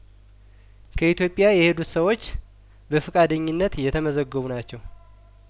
ከኢትዮጵያ የሄዱት ሰዎች በፍቃደኝነት የተመዘገቡ ናቸው